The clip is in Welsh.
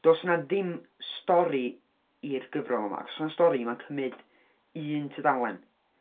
Does 'na ddim stori i'r gyfrol yma. Ac os oes 'na stori mae'n cymryd un tudalen.